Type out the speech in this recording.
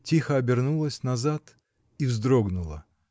тихо обернулась назад и вздрогнула.